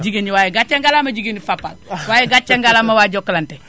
jigéen ñi waaye gàcce ngalaama jigéenu Fapal waaye gàcce ngalaama waa Jokalante